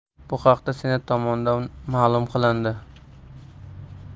bu haqda senat tomonidan ma'lum qilindi